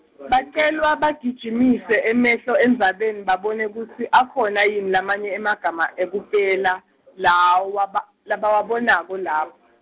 bacelwa bagijimise emehlo endzabeni babone kutsi akhona yini lamanye emagama ekupela, lawaba- labawabonako lapho.